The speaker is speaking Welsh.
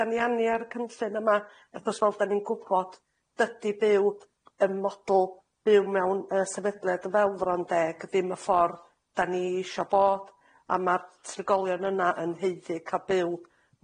do'n i annia'r cynllun yma achos wel da'n i'n gwbod dydi byw yn model byw, mewn yy sefydliad y fel Frondeg ag ddim y ffor' do'n i isio bodd a ma'r trigolion yna yn haeddu ca'l byw.